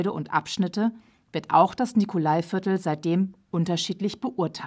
und Abschnitte, wird auch das Nikolaiviertel seitdem unterschiedlich beurteilt